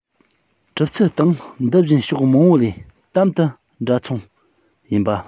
གྲུབ ཚུལ སྟེང འདི བཞིན ཕྱོགས མང པོ ལས དམ དུ འདྲ མཚུངས ཡིན པ